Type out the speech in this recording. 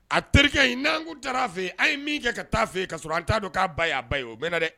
A terikɛ n'an kun taara a fɛ a ye min kɛ ka taa fɛ ka sɔrɔ an'a don k'a ba' a ba ye o bɛɛ na dɛ